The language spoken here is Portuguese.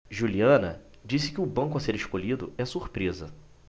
juliana disse que o banco a ser escolhido é surpresa